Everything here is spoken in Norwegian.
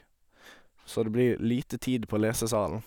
Så det blir lite tid på lesesalen.